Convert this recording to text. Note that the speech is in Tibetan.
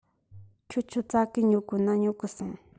ཁྱོད ཆོས ཙ གེ ཉོ དགོ ན ཉོ གི སོང